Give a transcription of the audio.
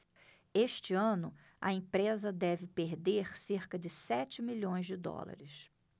este ano a empresa deve perder cerca de sete milhões de dólares